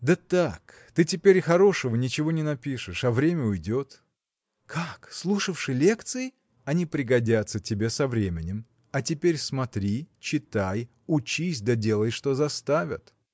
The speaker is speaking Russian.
– Да так, ты теперь хорошего ничего не напишешь, а время уйдет. – Как! слушавши лекции?. – Они пригодятся тебе со временем а теперь смотри читай учись да делай что заставят.